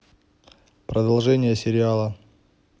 продолжение сериала